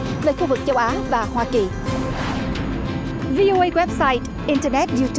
về khu vực châu á và hoa kỳ vi ô ây goép sai in tơ nét riu túp